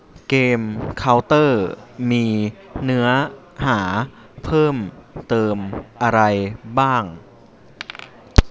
เกมเค้าเตอร์มีเนื้อหาเพิ่มเติมอะไรบ้าง